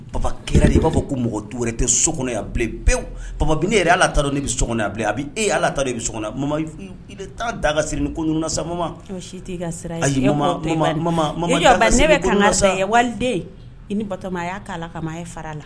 Baba kira de i b'a fɔ ko mɔgɔ wɛrɛ tɛ so kɔnɔ a bilen pewu baba ne yɛrɛ aladɔ ne bɛ so a bilen a e ala ta de bɛ so i bɛ taa da ka siri ni koɲan sama si ne waliden i ni bama' k'a la ka fara la